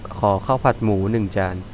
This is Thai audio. ขอข้าวผัดหมูหนึ่งจาน